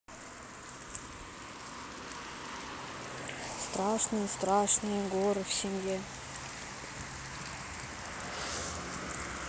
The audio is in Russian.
страшные страшные горы в семье